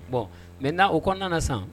Bon, maintenent o kɔnɔna na sisan